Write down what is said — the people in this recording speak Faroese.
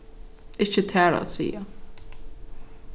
ikki tær at siga